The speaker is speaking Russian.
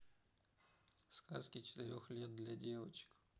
сказки четырех лет для девочек